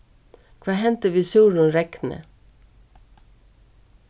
hvat hendi við súrum regni